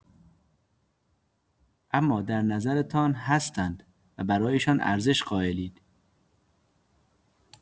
اما در نظرتان هستند و برایشان ارزش قائلید.